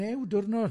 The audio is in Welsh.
New diwrnod!